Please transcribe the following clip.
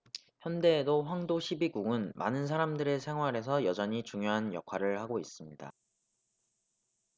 현대에도 황도 십이궁은 많은 사람들의 생활에서 여전히 중요한 역할을 하고 있습니다